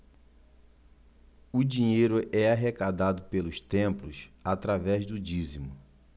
o dinheiro é arrecadado pelos templos através do dízimo